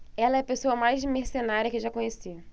ela é a pessoa mais mercenária que já conheci